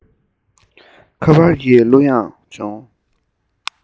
ཁ པར གྱིས གླུ བླངས བྱུང